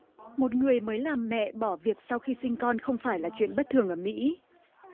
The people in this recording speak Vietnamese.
một người mới làm mẹ bỏ việc sau khi sinh con không phải là chuyện bất thường ở mỹ